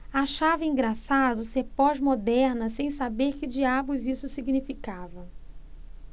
achava engraçado ser pós-moderna sem saber que diabos isso significava